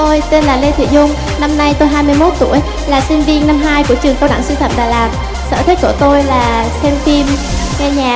tôi tên là lê thị nhung năm nay tôi hai mươi mốt tuổi là sinh viên năm hai của trường cao đẳng sư phạm đà lạt sở thích của tôi là xem phim nghe nhạc